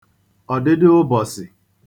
ọ̀dịdịụbọ̀sị̀